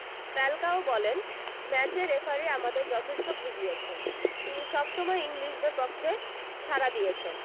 Falcao বলেন ম্যাচে referee আমাদের যথেষ্ট ভুগিয়েছেন তিনি সবসময় ইংলিশদের পক্ষে সাড়া দিয়েছেন